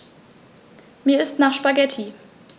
Mir ist nach Spaghetti.